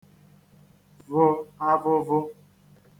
vụ avụvụ